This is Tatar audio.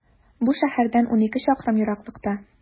Бу шәһәрдән унике чакрым ераклыкта.